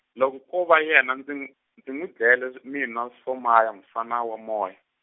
loko ko va yena ndzi n-, ndzi n'wi dlele s-, mina Somaya mfana wa moya.